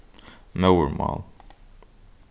móðurmál